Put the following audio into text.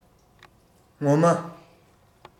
ངོ མ